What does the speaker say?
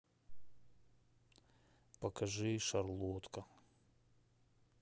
покажи шарлотка